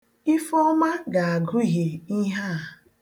Ifeọma ga-agụhie ihe a.